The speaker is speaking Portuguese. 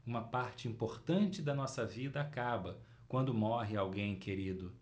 uma parte importante da nossa vida acaba quando morre alguém querido